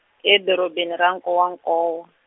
edorobeni ra Nkowankowa.